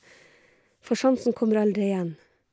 For sjansen kommer aldri igjen.